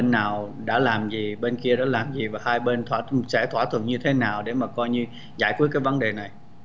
bên nào đã làm gì bên kia đã làm gì mà hai bên thỏa thuận trái thỏa thuận như thế nào để mà coi như giải quyết các vấn đề này